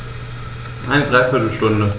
Eine dreiviertel Stunde